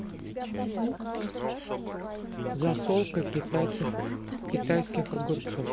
засолка китайских огурцов